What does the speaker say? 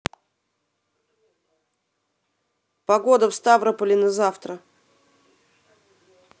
погода в ставрополе на завтра